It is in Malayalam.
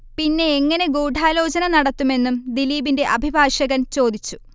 പിന്നെ എങ്ങനെ ഗുഢാലോചന നടത്തുമെന്നും ദിലീപിന്റെ അഭിഭാഷകൻ ചോദിച്ചു